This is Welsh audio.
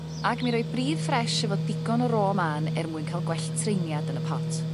Ag i mi roi bridd ffres efo digon o ro man er mwyn ca'l gwell treiniad yn y pot.